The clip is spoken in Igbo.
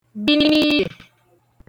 bini ije